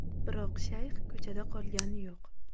biroq shayx ko'chada qolgani yo'q